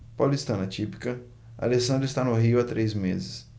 paulistana típica alessandra está no rio há três meses